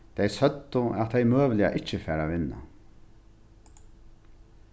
tey søgdu at tey møguliga ikki fara at vinna